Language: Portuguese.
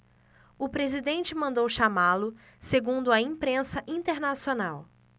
o presidente mandou chamá-lo segundo a imprensa internacional